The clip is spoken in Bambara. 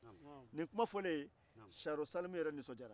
nin kuma fɔlen siyanro salimu yɛrɛ nisɔndiyara